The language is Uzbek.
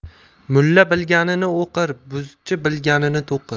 mulla bilganin o'qir bo'zchi bilganin to'qir